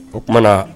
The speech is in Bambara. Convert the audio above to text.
O tumaumana na